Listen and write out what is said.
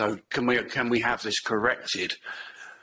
So can we a- can we have this corrected?